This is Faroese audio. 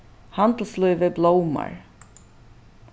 handilslívið blómar